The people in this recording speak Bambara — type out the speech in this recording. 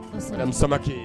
Sama kɛ